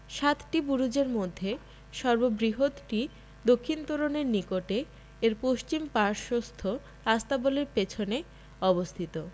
সাতটি বুরুজের মধ্যে সর্ববৃহৎটি দক্ষিণ তোরণের নিকটে এর পশ্চিম পার্শ্বস্থ আস্তাবলের পেছনে অবস্থিত